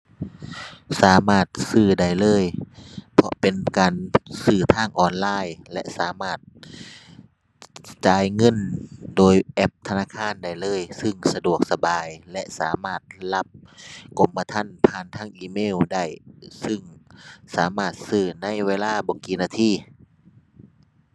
สามารถซื้อได้เลย เพราะเป็นการซื้อทางออนไลน์และสามารถ จ่ายเงินโดยแอปธนาคารได้เลย ซึ่งสะดวกสบายและสามารถรับกรมธรรม์ผ่านทางอีเมลได้ ซึ่งสามารถซื้อในเวลาบ่กี่นาที